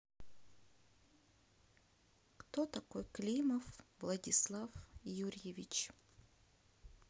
кто такой климов владислав юрьевич